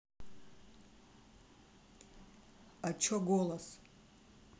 а че голос